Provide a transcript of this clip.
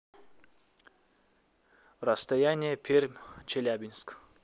расстояние пермь челябинск